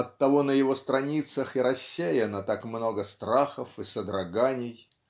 Оттого на его страницах и рассеяно так много страхов и содроганий.